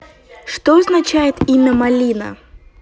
что означает имя малина